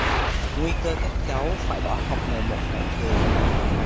nguy cơ các cháu phải bỏ học ngày một cận kề